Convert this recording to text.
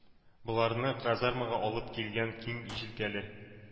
Боларны казармага алып килгән киң җилкәле,